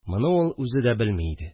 Моны ул үзе дә белми иде